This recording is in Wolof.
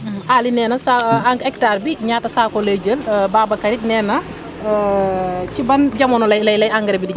Aly nee na sa hectare bi ñaata saako lay jël Babacar it nee na ci ban jamono lay lay lay engrais bi di